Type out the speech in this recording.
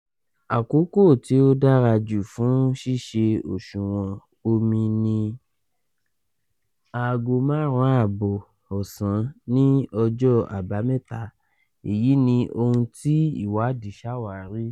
Àkókò tí ó dàrájù fún ṣíṣe òṣùwọ̀n omi ni 5:30 ọ̀sán ní ọjọ́ àbámẹ́ta, èyí ni ohun tí ìwáàdí ṣàwárí.